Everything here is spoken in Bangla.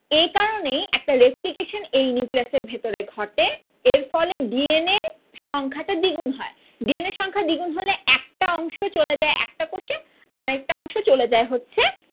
একারনেই একটা রেপ্লিকেশন এই নিউক্লিয়াসের ভিতর ঘটে এর ফলে ডি এন এ সংখ্যাটা দ্বিগুণ হয় দিন সংখ্যা দ্বিগুণ হলে একটা অংশ চলেছে একটা কোষে আরেকটা অংশ চলে যায় হচ্ছে